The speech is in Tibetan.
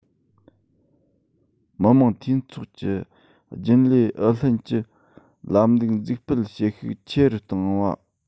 མི དམངས འཐུས ཚོགས ཀྱི རྒྱུན ལས ཨུ ལྷན གྱི ལམ ལུགས འཛུགས སྤེལ བྱེད ཤུགས ཆེ རུ བཏང བ